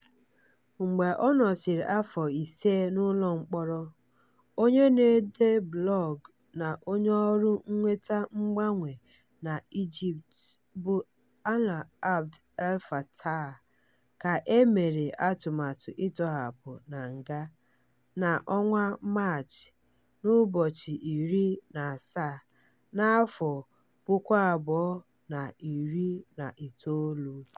Mgbe ọ nọsịrị afọ ise n'ụlọ mkpọrọ, onye na-ede blọgụ na onye ọrụ mweta mgbanwe na Egypt bụ Alaa Abd El Fattah ka e mere atụmatụ itọhapụ na nga na March 17, 2019.